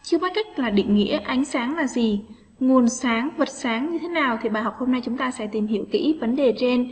smart là định nghĩa ánh sáng là gì nguồn sáng vật sáng như thế nào thì bài học hôm nay chúng ta sẽ tìm hiểu kỹ vấn đề trên